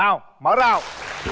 nào mở rào